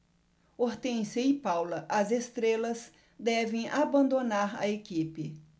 hortência e paula as estrelas devem abandonar a equipe